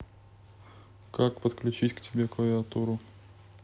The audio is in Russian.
как подключить к тебе клавиатуру